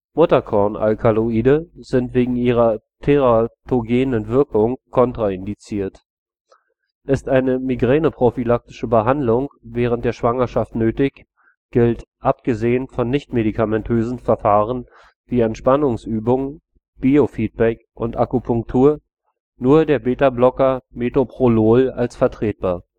Mutterkornalkaloide sind wegen ihrer teratogenen Wirkung kontraindiziert. Ist eine migräneprophylaktische Behandlung während der Schwangerschaft nötig, gilt, abgesehen von nichtmedikamentösen Verfahren wie Entspannungsübungen, Biofeedback und Akupunktur, nur der Beta-Blocker Metoprolol als vertretbar